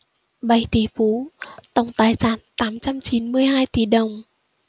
bảy tỷ phú tổng tài sản tám trăm chín mươi hai tỷ đồng